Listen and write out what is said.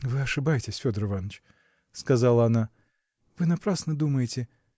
-- Вы ошибаетесь, Федор Иваныч, -- сказала она, -- вы напрасно думаете.